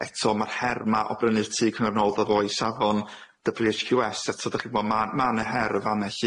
eto ma'r her 'ma o brynu'r tŷ cyngor nôl i ddod â fo i safon Double-you Haitch Que Ess eto, dach chi mo. Ma' ma' 'ne her yn fan 'ne lly.